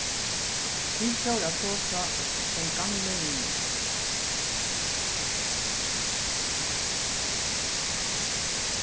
vit fóru at tosa sum gamlir vinir